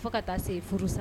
Fo ka taa se furu san